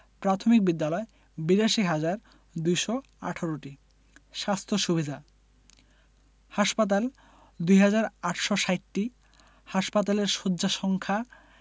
প্রাথমিক বিদ্যালয় ৮২হাজার ২১৮টি স্বাস্থ্য সুবিধাঃ হাসপাতাল ২হাজার ৮৬০টি হাসপাতালের শয্যা সংখ্যা